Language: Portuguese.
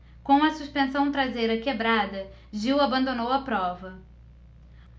com a suspensão traseira quebrada gil abandonou a prova